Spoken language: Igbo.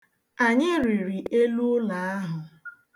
Anyị rịrị elu ụlọ ahụ.